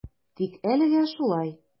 Тик әлегә шулай.